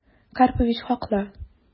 Карпович хаклы...